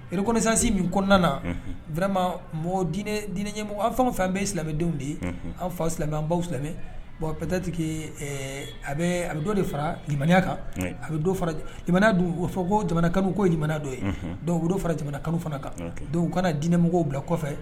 Ireksansi min kɔnɔna na vma mɔ dinɛmɔgɔ an fɛn fɛn bɛ silamɛdenw de ye an fa silamɛ an baw silamɛ bɔn ptetigi a bɛ a bɛ dɔ de faraya kan a bɛ o fɔ ko jamanakaw ko don ye dɔw don fara jamana kalo fana kan dɔw kana diinɛ mɔgɔw bila kɔfɛ